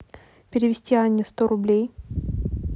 перевести анне сто рублей